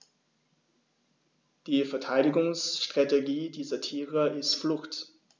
Die Verteidigungsstrategie dieser Tiere ist Flucht.